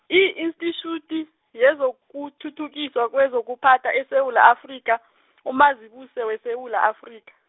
i-institjuti, yezokuthuthukiswa kwezokuphatha eSewula Afrika , uMazibuse weSewula Afrika.